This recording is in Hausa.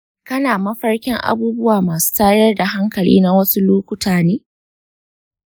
kana mafarkin abubuwa masu tayar da hankali na wasu lokuta ne?